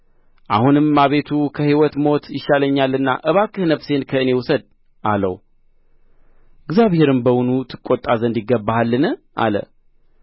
አሁንም አቤቱ ከሕይወት ሞት ይሻለኛልና እባክህ ነፍሴን ከእኔ ውሰድ አለው እግዚአብሔርም በውኑ ትቈጣ ዘንድ ይገባሃልን አለ